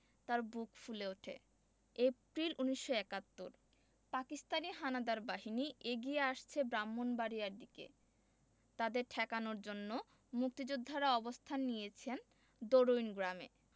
তাঁর বুক ফুলে ওঠে এপ্রিল ১৯৭১ পাকিস্তানি হানাদার বাহিনী এগিয়ে আসছে ব্রাহ্মনবাড়িয়ার দিকে তাদের ঠেকানোর জন্য মুক্তিযোদ্ধারা অবস্থান নিয়েছেন দরুইন গ্রামে